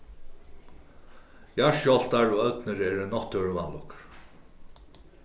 jarðskjálvtar og ódnir eru náttúruvanlukkur